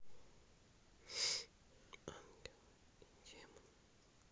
ангелы и демоны